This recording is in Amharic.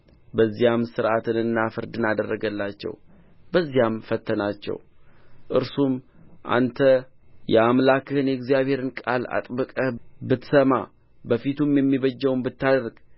በዚያም ሥርዓትንና ፍርድን አደረገላቸው በዚያም ፈተናቸው እርሱም አንተ የአምላክህን የእግዚአብሔርን ቃል አጥብቀህ ብትሰማ በፊቱም የሚበጀውን ብታደርግ